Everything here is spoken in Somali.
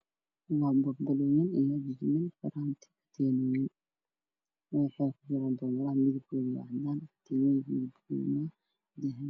Waa boonbalooyin cadaan ah iyo katiinad iyo jijin, faraanti oo wada dahabi ah.